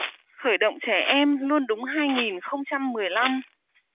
khởi động trẻ em luôn đúng hai nghìn không trăm mười lăm